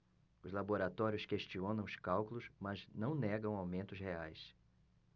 os laboratórios questionam os cálculos mas não negam aumentos reais